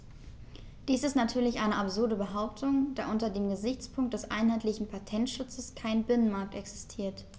Dies ist natürlich eine absurde Behauptung, da unter dem Gesichtspunkt des einheitlichen Patentschutzes kein Binnenmarkt existiert.